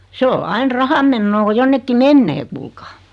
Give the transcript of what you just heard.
se on aina rahanmenoa kun jonnekin menee kuulkaa